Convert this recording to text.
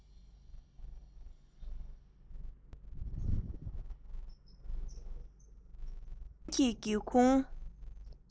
མི འདྲ རེ ཡོད པའི